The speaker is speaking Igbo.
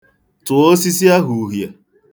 Tụọ osisi ahụ uhie.